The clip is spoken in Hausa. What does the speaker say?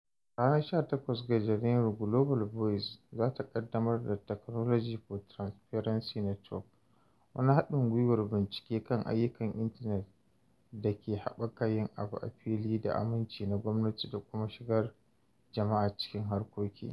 A ranar 18 ga Janairu, Global Voices za ta ƙaddamar da Technology for Transparency Network, wani haɗin gwiwar bincike kan ayyukan intanet da ke haɓaka yin abu a fili da aminci na gwamnati da kuma shigar jama'a cikin harkoki.